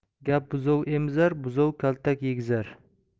gap buzov emizar buzov kaltak yegizar